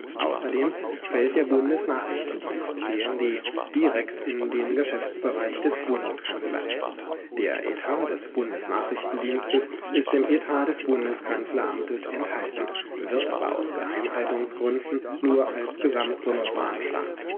Außerdem fällt der Bundesnachrichtendienst (BND) direkt in den Geschäftsbereich des Bundeskanzlers. Der Etat des Bundesnachrichtendienstes ist im Etat des Bundeskanzleramtes enthalten, wird aber aus Geheimhaltungsgründen nur als Gesamtsumme veranschlagt